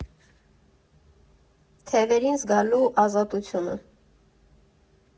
Թևերին զգալու ազատությունը։